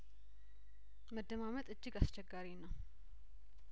መደማመጥ እጅግ አስቸጋሪ ነው